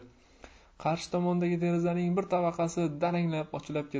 qarshi tomondagi derazaning bir tavaqasi daranglab ochilib ketdi